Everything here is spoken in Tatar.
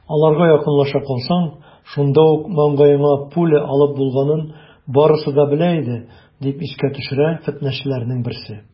Аларга якынлаша калсаң, шунда ук маңгаеңа пуля алып булганын барысы да белә иде, - дип искә төшерә фетнәчеләрнең берсе.